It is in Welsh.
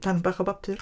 Darn bach o bapur.